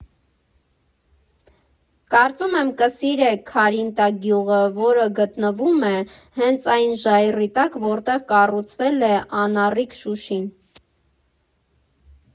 Կարծում եմ՝ կսիրեք Քարինտակ գյուղը, որը գտնվում է հենց այն ժայռի տակ, որտեղ կառուցվել է անառիկ Շուշին։